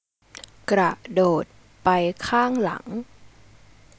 กระโดดไปข้างหลัง